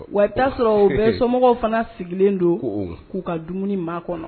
Wa'a sɔrɔ u bɛ somɔgɔw fana sigilen don k'u ka dumuni maa kɔnɔ